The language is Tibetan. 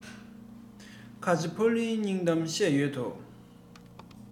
ཁ ཆེ ཕ ལུའི སྙིང གཏམ བཤད ཡོད དོ